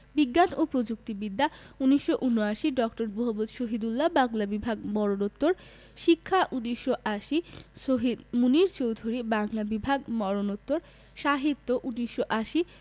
বিজ্ঞান ও প্রযুক্তি বিদ্যা ১৯৭৯ ড. মুহম্মদ শহীদুল্লাহ বাংলা বিভাগ মরণোত্তর শিক্ষা ১৯৮০ শহীদ মুনীর চৌধুরী বাংলা বিভাগ মরণোত্তর সাহিত্য ১৯৮০